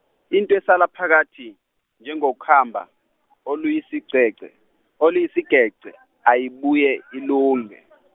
into esala phakathi, njengokhamba, oluyisigece, oluyisigece, ayibuye ilunge.